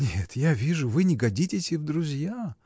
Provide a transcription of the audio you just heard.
Нет, я вижу, вы не годитесь и в друзья!